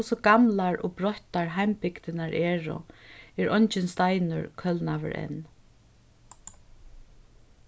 hvussu gamlar og broyttar heimbygdirnar eru er eingin steinur kølnaður enn